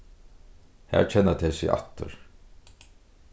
har kenna tey seg aftur